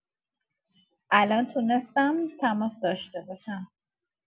الان تونستم تماس داشته باشم.